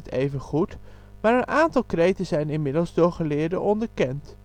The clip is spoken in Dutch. even goed, maar een aantal kreten zijn inmiddels door geleerden onderkend